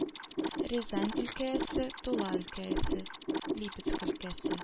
Рязань өлкәсе, Тула өлкәсе, Липецк өлкәсе